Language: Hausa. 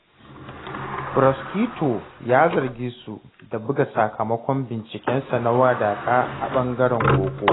Furaskito ya zarge su da buga sakamakon bincikensa na wadaƙa a ɓangaren koko.